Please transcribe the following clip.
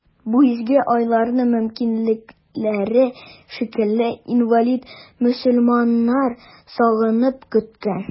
Бу изге айларны мөмкинлекләре чикле, инвалид мөселманнар сагынып көткән.